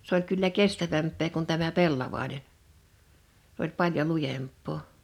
se oli kyllä kestävämpää kuin tämä pellavainen se oli paljon lujempaa